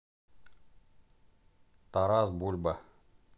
тарас бульба